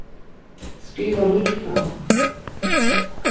skriva nýggj boð